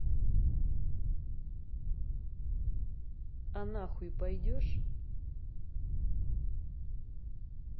а нахуй пойдешь